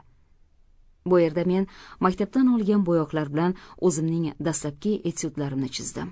bu yerda men maktabdan olgan bo'yoqlar bilan o'zimning dastlabki etyudlarimni chizdim